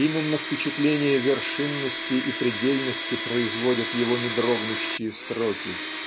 Именно впечатление вершинности и предельности производят его недрогнущие строки.